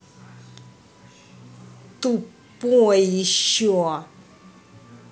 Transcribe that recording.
тупой еще